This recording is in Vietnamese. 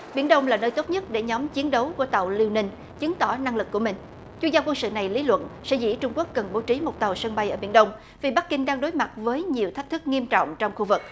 biển đông là nơi tốt nhất để nhóm chiến đấu của tàu liêu ninh chứng tỏ năng lực của mình chuyên gia quân sự này lý luận sở dĩ trung quốc cần bố trí một tàu sân bay ở biển đông vì bắc kinh đang đối mặt với nhiều thách thức nghiêm trọng trong khu vực